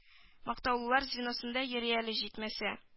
Мактаулылар звеносында йөри әле җитмәсә